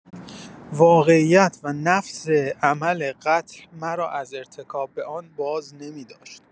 واقعیت و نفس عمل قتل مرا از ارتکاب به آن بازنمی‌داشت.